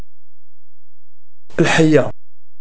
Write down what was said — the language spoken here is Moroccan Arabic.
الحياه